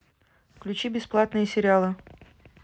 включи бесплатные сериалы